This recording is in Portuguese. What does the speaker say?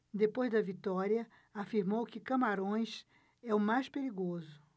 depois da vitória afirmou que camarões é o mais perigoso